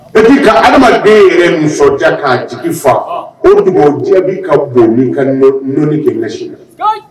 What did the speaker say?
Ç'a dire ka adamaden yɛrɛ ninsodiya ka a jigi fa, o dugawu jaabi ka bon ni ka